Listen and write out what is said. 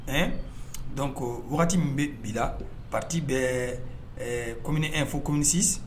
Ɛɛ dɔn ko wagati min bɛ bila pati bɛ kɔmim e fo kɔmisi